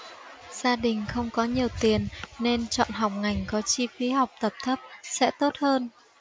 gia đình không có nhiều tiền nên chọn học ngành có chi phí học tập thấp sẽ tốt hơn